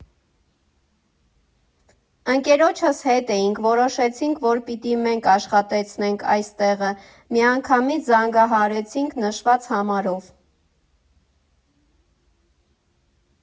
Ընկերոջս հետ էինք, որոշեցինք, որ պիտի մենք աշխատեցնենք այս տեղը, միանգամից զանգահարեցինք նշված համարով։